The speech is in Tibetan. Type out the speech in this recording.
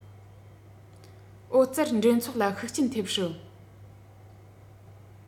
ཨོ རྩལ འགྲན ཚོགས ལ ཤུགས རྐྱེན ཐེབས སྲིད